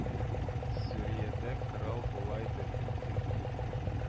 Сүриядә корал болай да хәттин күп